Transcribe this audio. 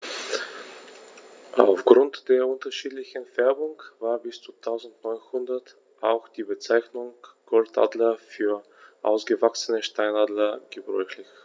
Auf Grund der unterschiedlichen Färbung war bis ca. 1900 auch die Bezeichnung Goldadler für ausgewachsene Steinadler gebräuchlich.